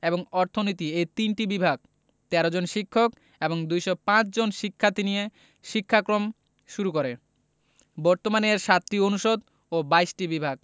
এবং অর্থনীতি এ তিনটি বিভাগ ১৩ জন শিক্ষক এবং ২০৫ জন শিক্ষার্থী নিয়ে শিক্ষাক্রম শুরু করে বর্তমানে এর ৭টি অনুষদ ও ২২টি বিভাগ